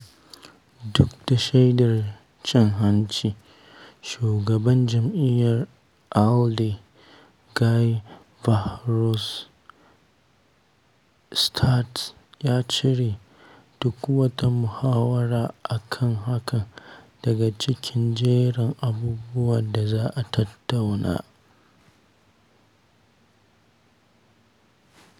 Duk da shaidar cin hanci, Shugaban jam'iyyar ALDE, Guy Verhofstadt ya cire duk wata muhawara a kan hakan daga cikin jerin abubuwan da za'a tattauna.